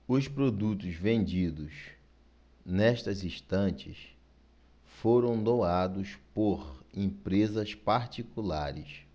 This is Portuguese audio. os produtos vendidos nestas estantes foram doados por empresas particulares